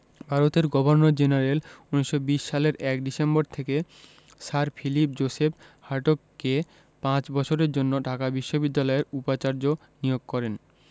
ভারতের governor general ১৯২০ সালের ১ December থেকে স্যার ফিলিপ জোসেফ হার্টগকে পাঁচ বছরের জন্য ঢাকা বিশ্ববিদ্যালয়ের উপাচার্য নিয়োগ করেন